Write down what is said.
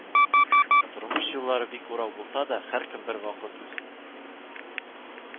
Тормыш юллары бик урау булса да, һәркем бервакыт үз